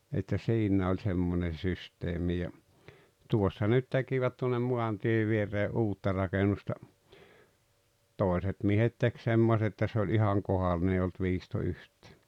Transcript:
että siinä oli semmoinen systeemi ja tuossa nyt tekivät tuonne maantien viereen uutta rakennusta toiset miehet teki semmoista että se oli ihan kohdallinen ei ollut viisto yhtään